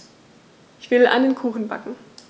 Ich will einen Kuchen backen.